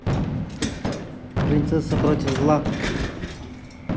принцесса против зла